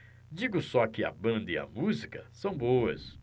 digo só que a banda e a música são boas